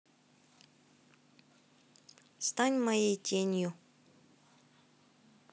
стань моей тенью